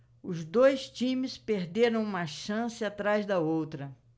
os dois times perderam uma chance atrás da outra